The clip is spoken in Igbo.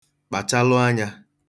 kpàchalụ anyā